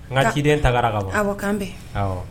N ka ciden tagara ka ban, awɔ k'an bɛn. Awɔ.